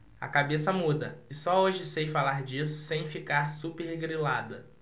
a cabeça muda e só hoje sei falar disso sem ficar supergrilada